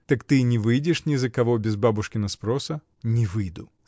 — Так ты не выйдешь ни за кого без бабушкина спроса? — Не выйду!